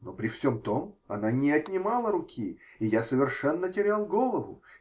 Но при всем том она не отнимала руки, и я совершенно терял голову.